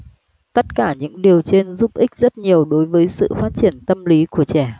tất cả những điều trên giúp ích rất nhiều đối với sự phát triển tâm lý của trẻ